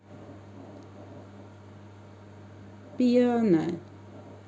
пьяно